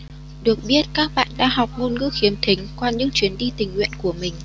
được biết các bạn đã học ngôn ngữ khiếm thính qua những chuyến đi tình nguyện của mình